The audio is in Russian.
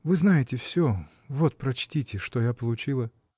Вы знаете всё: вот прочтите, что я получила.